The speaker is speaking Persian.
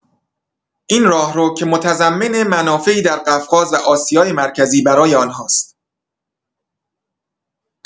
این راهرو که متضمن منافعی در قفقاز و آسیای مرکزی برای آنهاست.